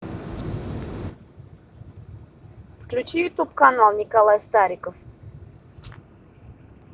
включи ютуб канал николай стариков